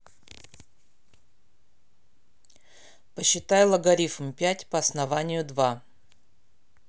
посчитай логарифм пять по основанию два